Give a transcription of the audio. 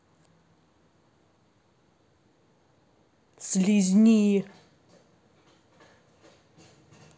слизни